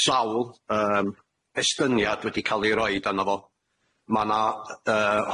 sawl yym cestyniad wedi ca'l 'i roid arno fo ma' 'na yy